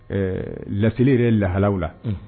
Ɛɛ latigɛ yɛrɛ lahalalaww la